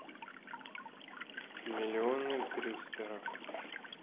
миллионы брюстера